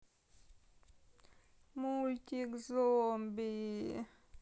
мультик зомби